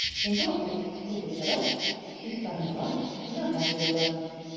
Шунда ук су тутырып, чистарырга – тонарга куйдылар.